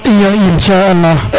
iyo iyo inchaalah